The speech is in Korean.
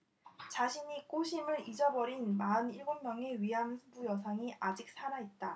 자신이 꽃임을 잊어버린 마흔 일곱 명의 위안부 여성이 아직 살아 있다